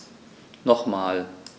Nochmal.